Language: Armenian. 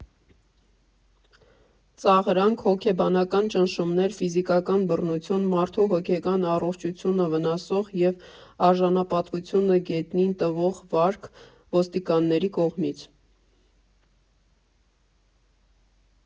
Ծաղրանք, հոգեբանական ճնշումներ, ֆիզիկական բռնություն, մարդու հոգեկան առողջությունը վնասող և արժանապատվությունը գետնին տվող վարք ոստիկանների կողմից։